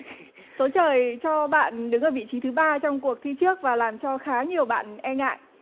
số trời cho bạn đứng ở vị trí thứ ba trong cuộc thi trước và làm cho khá nhiều bạn e ngại